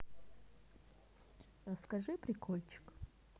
расскажи прикольчик